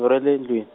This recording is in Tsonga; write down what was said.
o ra le ndlwin-.